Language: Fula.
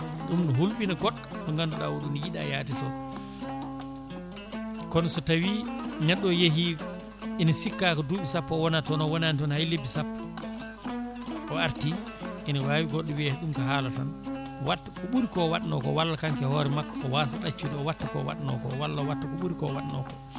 ɗum ne hulɓina goɗɗo mo ganduɗa oɗo ni ne yiiɗa yaade toon kono so tawi neɗɗo o yeehi ene sikka ko duuɓi sappo o wonata toon o woni toon hay lebbi sappo o arti ene wawi goɗɗo wiiya ɗum ko haala tan watta ko ɓuuri ko watno ko walla konko e hoore makko o wasa ɗaccude o watta ko watno ko walla o watta ko ɓuuri ko watno ko